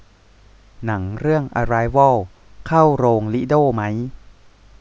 หนังเรื่องอะไรวอลเข้าโรงลิโด้มั้ย